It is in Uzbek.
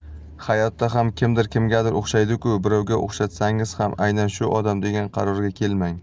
hayotda ham kimdir kimgadir o'xshaydi ku birovga o'xshatsangiz ham aynan shu odam degan qarorga kelmang